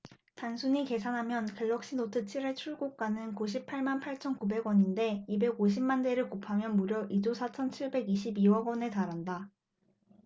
단순히 계산하면 갤럭시노트 칠 의 출고가는 구십 팔 만 팔천 구백 원인데 이백 오십 만대를 곱하면 무려 이 조 사천 칠백 이십 이 억원에 달한다